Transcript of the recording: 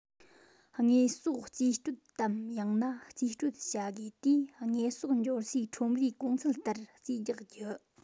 དངོས ཟོག རྩིས སྤྲོད དམ ཡང ན རྩིས སྤྲོད བྱ དགོས དུས དངོས ཟོག འབྱོར སའི ཁྲོམ རའི གོང ཚད ལྟར རྩིས རྒྱག རྒྱུ